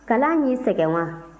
kalan y'i sɛgɛn wa